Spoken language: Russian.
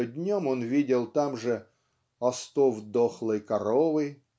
что днем он видел там же "остов дохлой коровы"